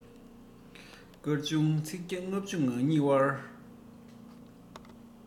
སྐར ཆུང ཚིག བརྒྱ ལྔ བཅུ ང གཉིས བར